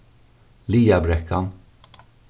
liðabrekkan